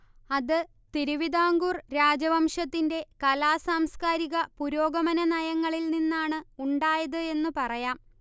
അത് തിരുവിതാംകൂർ രാജവംശത്തിന്റെ കലാ സാംസ്കാരിക പുരോഗമന നയങ്ങളിൽ നിന്നാണ് ഉണ്ടായത് എന്ന് പറയാം